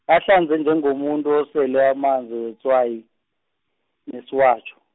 ahlanze njengomuntu osele amanzi wetswayi, nesiwatjho.